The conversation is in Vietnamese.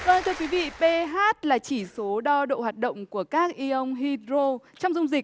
vâng thưa quý vị pê hát là chỉ số đo độ hoạt động của các y ông hi rô trong dung dịch